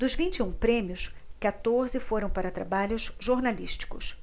dos vinte e um prêmios quatorze foram para trabalhos jornalísticos